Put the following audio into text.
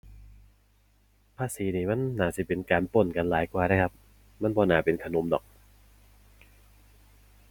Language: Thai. ภาษีนี่มันน่าสิเป็นการปล้นกันหลายกว่าเดะครับ มันบ่น่าเป็นขนมดอก